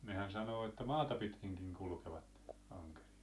nehän sanoo että maata pitkinkin kulkevat ankeriaat